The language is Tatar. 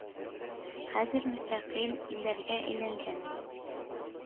Хәзер мөстәкыйль илләргә әйләнгән